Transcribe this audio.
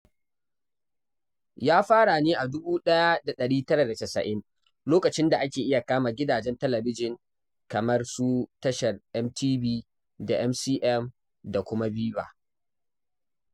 Ya fara ne a 1990 lokacin da ake iya kama gidajen talabijin kamar su tasahar MTV da MCM da kuma VIVA.